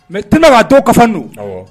_Mais tellement que a dɔw kafalen don, awɔ